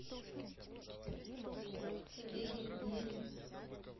тебе виднее